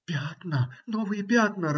- Пятна, новые пятна!